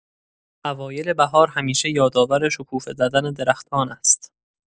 اوایل بهار همیشه یادآور شکوفه زدن درختان است.